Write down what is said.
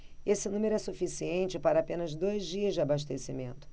esse número é suficiente para apenas dois dias de abastecimento